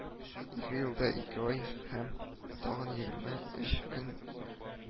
Ике ел да ике ай һәм тагын егерме өч көн